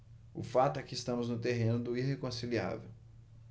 o fato é que estamos no terreno do irreconciliável